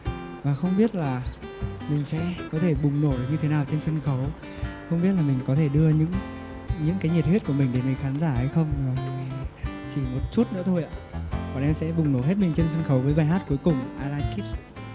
và không biết là mình sẽ có thể bùng nổ được như thế nào trên sân khấu không biết là mình có thể đưa những những cái nhiệt huyết của mình đến với khán giả hay không chỉ một chút nữa thôi bọn em sẽ bùng nổ hết mình trên sân khấu với bài hát cuối ai lai kít